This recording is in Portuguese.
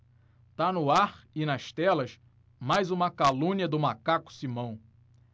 tá no ar e nas telas mais uma calúnia do macaco simão